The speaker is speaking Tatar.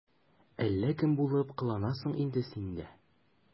Әллә кем булып кыланасың инде син дә...